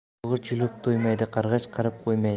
yulg'ich yulib to'ymaydi qirg'ich qirib qo'ymaydi